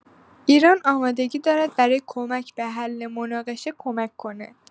ایران آمادگی دارد برای کمک به حل مناقشه کمک کند.